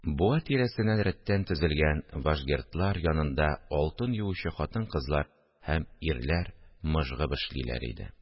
Буа тирәсеннән рәттән тезелгән вашгердлар янында алтын юучы хатын-кызлар һәм ирләр мыжгып эшлиләр иде